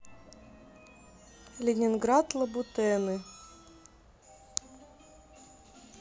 ленинград лабутены